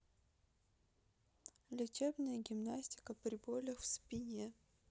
лечебная гимнастика при болях в спине